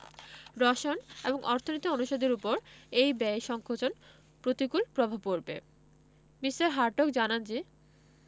রসায়ন এবং অর্থনীতি অনুষদের ওপর এ ব্যয় সংকোচন প্রতিকূল প্রভাব পড়বে মি. হার্টগ জানান যে